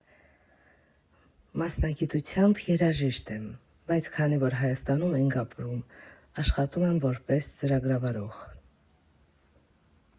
Մասնագիտությամբ երաժիշտ եմ, բայց քանի որ Հայաստանում ենք ապրում, աշխատում եմ որպես ծրագրավորող։